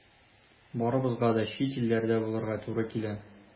Барыбызга да чит илләрдә булырга туры килә.